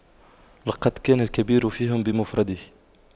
لقد كان الكبير فيهم بمفرده